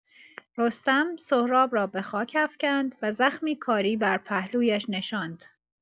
رستم، سهراب را به خاک افکند و زخمی کاری بر پهلویش نشاند.